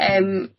yym